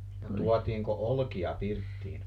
no tuotiinko olkia pirttiin